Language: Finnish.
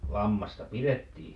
lammasta pidettiin